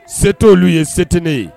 Se t'olu ye se tɛ ne ye